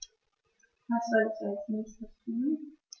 Was soll ich als Nächstes tun?